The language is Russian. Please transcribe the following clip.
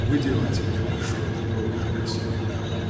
— Вы делаете мне большое добро, Вера Васильевна.